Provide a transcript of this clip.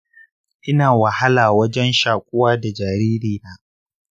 ina wahala wajen shakuwa da jariri na